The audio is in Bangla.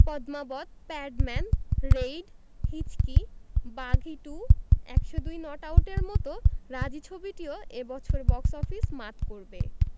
পদ্মাবত প্যাডম্যান রেইড হিচকি বাঘী টু ১০২ নট আউটের মতো রাজী ছবিটিও এ বছর বক্স অফিস মাত করবে